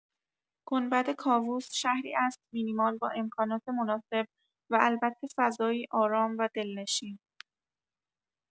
گنبدکاووس شهری است مینیمال با امکانات مناسب و البته فضایی آرام و دلشین.